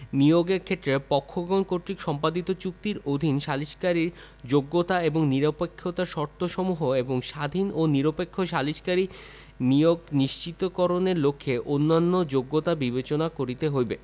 নিয়োগের ক্ষেত্রে পক্ষগণ কর্তৃক সম্পাদিত চুক্তির অধীন সালিসকারীর যোগ্যতা এবং নিরপেক্ষতার শর্তসমূহ এবং স্বাধীন ও নিরপেক্ষ সালিসকারী নিয়োগ নিশ্চিতকরণের লক্ষ্যে অন্যান্য যোগ্যতা বিবেচনা করিতে হইবে